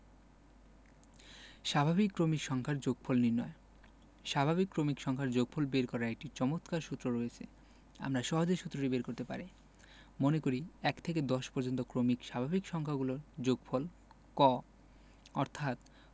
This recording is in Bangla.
স্বাভাবিক ক্রমিক সংখ্যার যোগফল নির্ণয় স্বাভাবিক ক্রমিক সংখ্যার যোগফল বের করার একটি চমৎকার সূত্র রয়েছে আমরা সহজেই সুত্রটি বের করতে পারি মনে করি ১ থেকে ১০ পর্যন্ত ক্রমিক স্বাভাবিক সংখ্যাগুলোর যোগফল ক অর্থাৎ